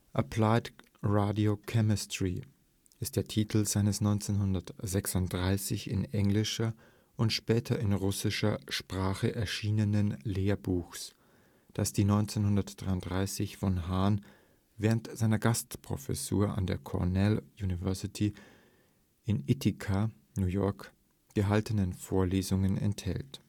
Applied Radiochemistry “ist der Titel seines 1936 in englischer (und später in russischer) Sprache erschienenen Lehrbuches, das die 1933 von Hahn während seiner Gastprofessur an der Cornell University in Ithaca, New York (USA), gehaltenen Vorlesungen enthält